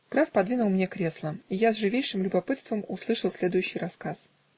Граф подвинул мне кресла, и я с живейшим любопытством услышал следующий рассказ.